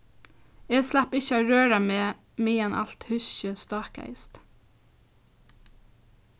eg slapp ikki at røra meg meðan alt húskið stákaðist